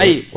ayi